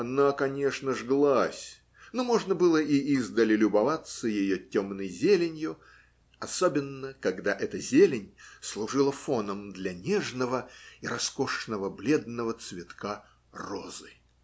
она, конечно, жглась, но можно было и издали любоваться ее темною зеленью, особенно когда эта зелень служила фоном для нежного и роскошного бледного цветка розы.